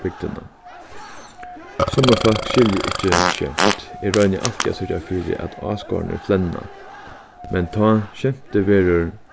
bygdina summi fólk skilja ikki skemt eg royni altíð at syrgja fyri at áskoðararnir flenna men tá skemtið verður